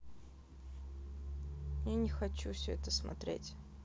я не хочу это все смотреть